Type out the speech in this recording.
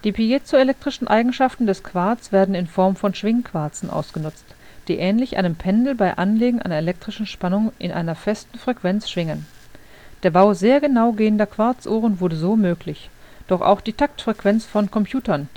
piezoelektrischen Eigenschaften des Quarz werden in Form von Schwingquarzen ausgenutzt, die ähnlich einem Pendel bei Anlegen einer elektrischen Spannung in einer festen Frequenz schwingen. Der Bau sehr genau gehender Quarzuhren wurde so möglich, doch auch die Taktfrequenz von Computern